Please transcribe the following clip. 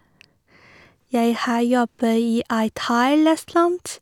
Jeg har jobba i ei thairestaurant.